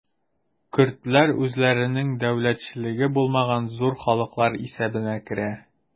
Көрдләр үзләренең дәүләтчелеге булмаган зур халыклар исәбенә керә.